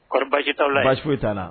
Kɔri baasi t'aw la ye baasi foyi t'an na